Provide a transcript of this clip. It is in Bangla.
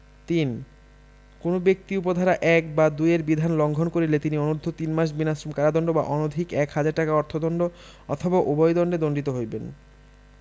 ৩ কোন ব্যক্তি উপ ধারা ১ বা ২ এর বিধান লংঘন করিলে তিনি অনূর্ধ্ব তিনমাস বিনাশ্রম কারাদন্ড বা অনধিক এক হাজার টাকা অর্থ দন্ড অথবা উভয় দণ্ডে দন্ডনীয় হইবেন